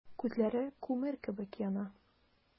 Күзләре күмер кебек яна.